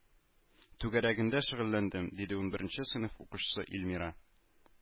Түгәрәгендә шөгыльләндем, диде унберенче сыйныф укучысы илмира